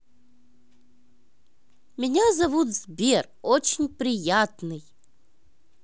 меня зовут сбер очень приятный